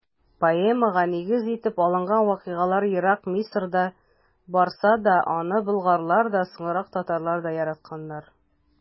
Поэмага нигез итеп алынган вакыйгалар ерак Мисырда барса да, аны болгарлар да, соңрак татарлар да яратканнар.